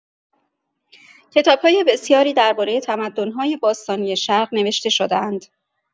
کتاب‌های بسیاری درباره تمدن‌های باستانی شرق نوشته شده‌اند.